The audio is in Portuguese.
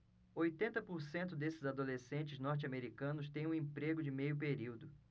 oitenta por cento desses adolescentes norte-americanos têm um emprego de meio período